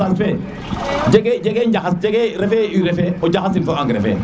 dosage fe jege njaxas jege refe urée fe o jaxasin fo engrais fe